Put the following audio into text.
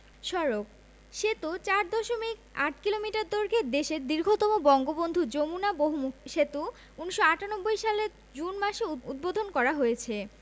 সড়কঃ সেতু ৪দশমিক ৮ কিলোমিটার দৈর্ঘ্যের দেশের দীর্ঘতম বঙ্গবন্ধু যমুনা বহুমুখী সেতু ১৯৯৮ সালের জুন মাসে উদ্বোধন করা হয়েছে